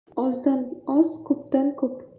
ozdan oz ko'pdan ko'p